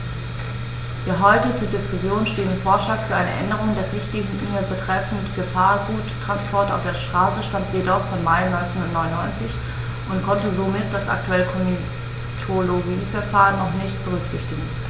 Der heute zur Diskussion stehende Vorschlag für eine Änderung der Richtlinie betreffend Gefahrguttransporte auf der Straße stammt jedoch vom Mai 1999 und konnte somit das aktuelle Komitologieverfahren noch nicht berücksichtigen.